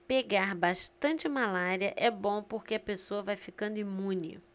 pegar bastante malária é bom porque a pessoa vai ficando imune